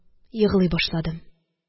Еглый башладым.